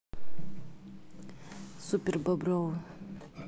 супер бобровы